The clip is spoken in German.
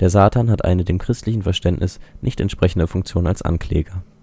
Der Satan hat eine dem christlichen Verständnis nicht entsprechende Funktion als Ankläger